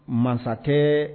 Masakɛ